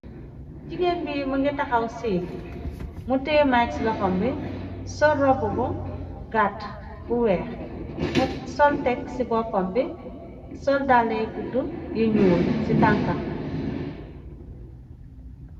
Jigéen bi mënge taxaw sii mu tee mige ci loxam bi sol robb bu gaat bu weex mu soltekk ci boppam bi soldale gudd yu ñuwul ci tankambi.